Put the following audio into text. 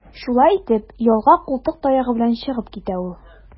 Шулай итеп, ялга култык таягы белән чыгып китә ул.